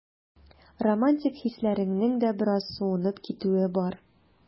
Романтик хисләреңнең дә бераз суынып китүе бар.